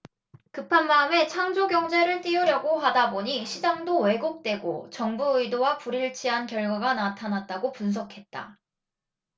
급한 마음에 창조경제를 띄우려고 하다 보니 시장도 왜곡되고 정부 의도와 불일치한 결과가 나타났다고 분석했다